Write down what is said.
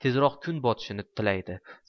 tezroq kun botishini tilaydi